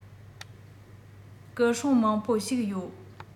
སྐུ སྲུང མང པོ ཞིག ཡོད